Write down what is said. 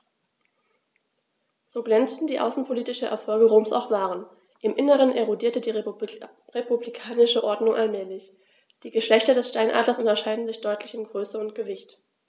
So glänzend die außenpolitischen Erfolge Roms auch waren: Im Inneren erodierte die republikanische Ordnung allmählich. Die Geschlechter des Steinadlers unterscheiden sich deutlich in Größe und Gewicht.